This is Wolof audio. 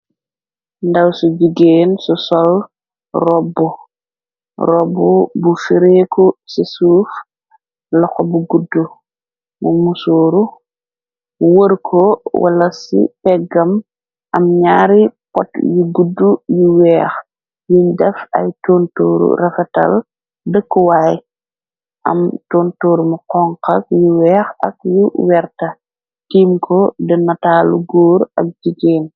Ndaw su jigeen su sol robb bu sureeku ci suuf laxo bu gudd mu musouru wër ko wala ci peggam am ñaari pot yi gudd yu weex yiñ def ay tuntuuru rafatal dëkkuwaay am tontur mu xoŋxag yu weex ak yu werta tiim ko denataalu góur ak jigeen.